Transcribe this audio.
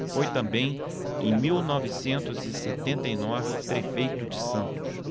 foi também em mil novecentos e setenta e nove prefeito de santos